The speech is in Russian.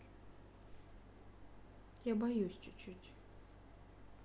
я боюсь чуть чуть